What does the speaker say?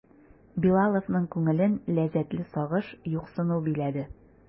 Билаловның күңелен ләззәтле сагыш, юксыну биләде.